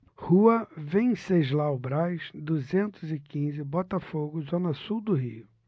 rua venceslau braz duzentos e quinze botafogo zona sul do rio